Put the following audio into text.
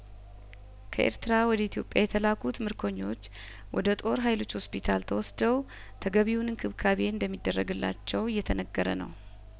ከኤርትራ ወደ ኢትዮጵያ የተላኩት ምርኮኞች ወደ ጦር ሀይሎች ሆስፒታል ተወስደው ተገቢውን እንክብካቤ እንደሚደረግላቸው እየተነገረ ነው